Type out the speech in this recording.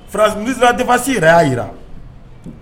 Faraz defasi yɛrɛ y'a jira